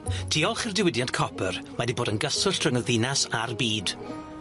Diolch i'r diwydiant copyr mae 'di bod yn gyswllt rhwng y ddinas a'r byd.